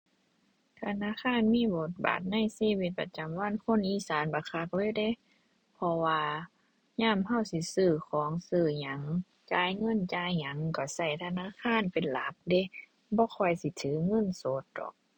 ธนาคารมีบทบาทในชีวิตประจำวันคนอีสานบักคักเลยเดะ เพราะว่ายามเราสิซื้อของ ซื้อหยัง จ่ายเงิน จ่ายหยังเราเราธนาคารเป็นหลักเดะ บ่ค่อยสิถือเงินสดดอก